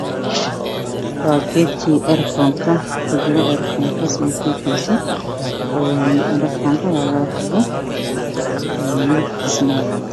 Waa geedkii erafoonka oo kujiro erafoonka santuuqiisa, erafoonka waa labo xabo midabkiisu waa cadaan.